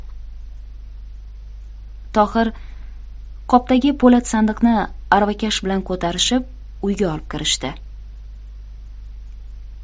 tohir qopdagi po'lat sandiqni aravakash bilan ko'tarishib uyga olib kirishdi